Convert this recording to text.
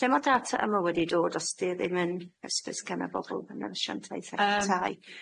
Lle ma'r data yma wedi dod os di ddim yn ystos genna bobol denantasiaeth yy tai?